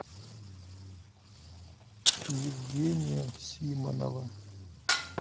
евгения симонова